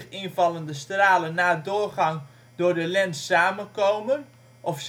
invallende stralen na doorgang door de lens samenkomen of